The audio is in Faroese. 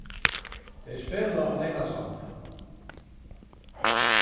tey spæla á leynasandi